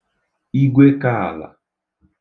Igwekāàlà